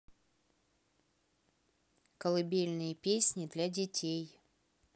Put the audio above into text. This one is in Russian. колыбельные песни для детей